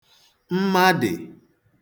mmadị̀